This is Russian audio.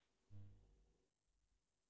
подключиться к сбер звуку